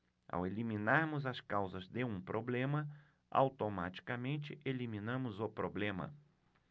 ao eliminarmos as causas de um problema automaticamente eliminamos o problema